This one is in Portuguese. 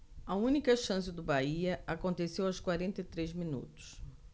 a única chance do bahia aconteceu aos quarenta e três minutos